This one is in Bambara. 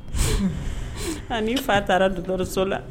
A fa taara donsotoso la